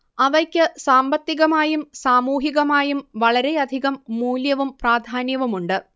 അവയ്ക്ക് സാമ്പത്തികമായും സാമൂഹികമായും വളരെയധികം മൂല്യവും പ്രാധാന്യവുമുണ്ട്